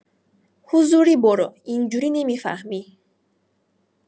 حضوری برو اینجوری نمی‌فهمی